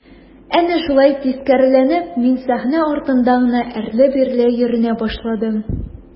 Әнә шулай тискәреләнеп мин сәхнә артында гына әрле-бирле йөренә башладым.